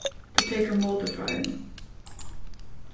tað tekur mótið frá einum